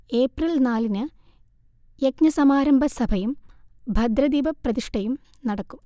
April നാലിന് യജ്ഞസമാരംഭസഭയും ഭദ്രദീപ പ്രതിഷ്ഠയും നടക്കും